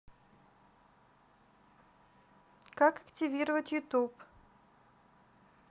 как активировать youtube